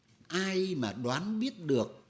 ai mà đoán biết được